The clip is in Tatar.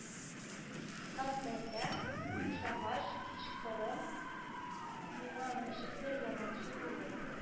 Катьләрдән бушагач, кичкырын миңа ничектер ямансу булып